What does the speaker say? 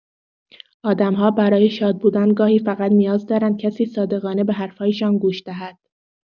آدم‌ها برای شاد بودن گاهی فقط نیاز دارند کسی صادقانه به حرف‌هایشان گوش دهد.